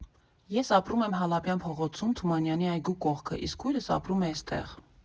Ես ապրում եմ Հալաբյան փողոցում՝ Թումանյանի այգու կողքը, իսկ քույրս ապրում է էստեղ։